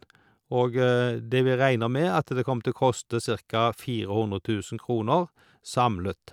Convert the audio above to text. Og det vi regner med, at det kommer til å koste cirka fire hundre tusen kroner samlet.